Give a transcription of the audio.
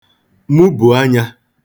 mubù anyā